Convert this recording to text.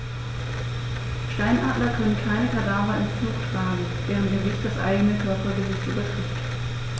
Steinadler können keine Kadaver im Flug tragen, deren Gewicht das eigene Körpergewicht übertrifft.